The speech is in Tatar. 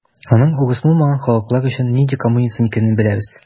Аның урыс булмаган халыклар өчен нинди коммунизм икәнен беләбез.